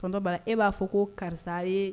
Tonton Bala e b'a fɔ ko karisa ye